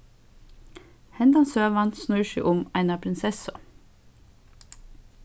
hendan søgan snýr seg um eina prinsessu